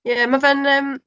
Ie, mae fe'n, yym...